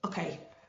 Ok.